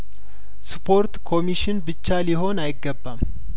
ስፖርት ኮሚሽን ብቻ ሊሆን አይገባም